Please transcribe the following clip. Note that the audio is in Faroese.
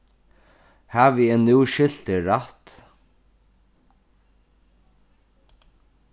havi eg nú skilt teg rætt